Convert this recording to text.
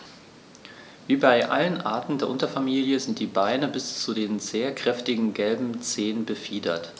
Wie bei allen Arten der Unterfamilie sind die Beine bis zu den sehr kräftigen gelben Zehen befiedert.